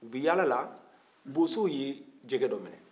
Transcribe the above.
u bɛ yala la bozow ye jɛgɛ dɔ minɛ